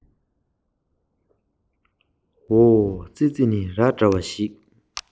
རེད ར འདྲ བ ཞིག ཅེས ཨ མས